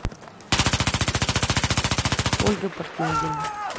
ольга портнягина